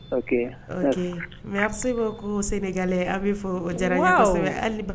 Ok, ok, merci beaucoup senegalais an b'i fo, waw, o diyala an ye kosɛbɛ ,hali